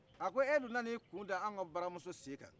a ko e dun nan'i kun da an ka baramuso sen kan